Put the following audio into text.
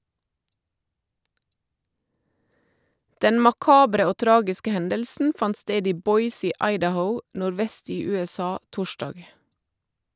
Den makabre og tragiske hendelsen fant sted i Boise i Idaho, nordvest i USA, torsdag.